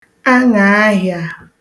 aṅàahịà